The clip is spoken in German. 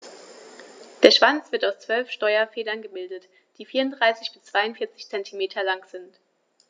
Der Schwanz wird aus 12 Steuerfedern gebildet, die 34 bis 42 cm lang sind.